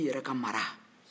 i yɛrɛ ka mara